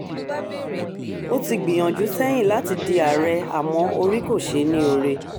Ó ti gbìyànjú sẹ́yìn láti di ààrẹ àmọ́ orí kò ṣe ní oore.